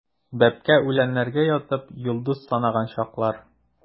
Бәбкә үләннәргә ятып, йолдыз санаган чаклар.